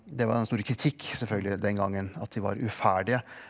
det var den store kritikk selvfølgelig den gangen at de var uferdige.